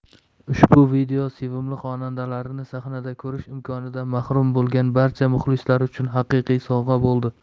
ushbu video sevimli xonandalarini sahnada ko'rish imkonidan mahrum bo'lgan barcha muxlislar uchun haqiqiy sovg'a bo'ldi